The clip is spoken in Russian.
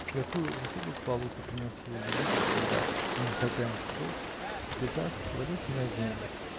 И какую высокую хвалу ты принес его величию, когда, не находя слов, в слезах повалился на землю!.